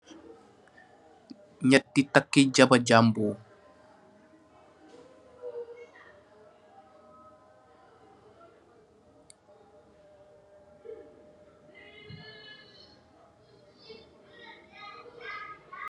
Ñetti takki jaba jambóó.